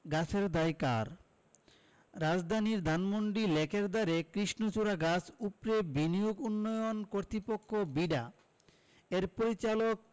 গাছের দায় কার রাজধানীর ধানমন্ডি লেকের ধারে কৃষ্ণচূড়া গাছ উপড়ে বিনিয়োগ উন্নয়ন কর্তৃপক্ষ বিডা এর পরিচালক